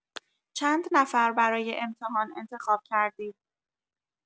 چند نفر برای امتحان انتخاب کردید؟